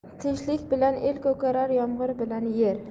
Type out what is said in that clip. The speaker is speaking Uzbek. tinchlik bilan el ko'karar yomg'ir bilan yer